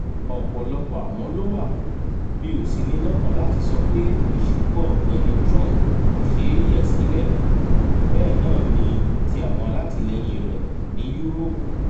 Ọ̀pọ̀lọpọ̀ àmọ́ ló wà, mi ò sì ní lọ́kàn láti sọ pé ìṣubú Ọ̀gbẹ́ni Trump kò ṣeé yẹ̀ sílẹ̀ - bẹ́ẹ̀ náà ni ti àwọn alátìlẹyìn rẹ̀ ní Yúróòpù.